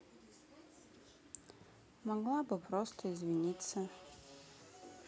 могла бы просто извиниться